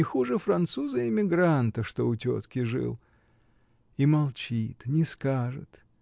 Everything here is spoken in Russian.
не хуже француза-эмигранта, что у тетки жил. И молчит, не скажет!